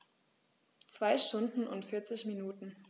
2 Stunden und 40 Minuten